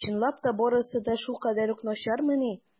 Чынлап та барысы да шулкадәр үк начармыни?